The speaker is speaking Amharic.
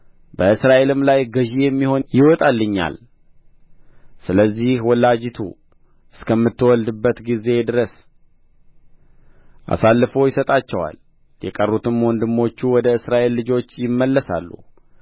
በእስራኤልም ላይ ገዥ የሚሆን ይወጣልኛል ስለዚህ ወላጂቱ እስከምትወልድበት ጊዜ ድረስ አሳልፎ ይሰጣቸዋል የቀሩትም ወንድሞቹ ወደ እስራኤል ልጆች ይመለሳሉ